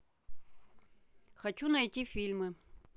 хочу найти фильмы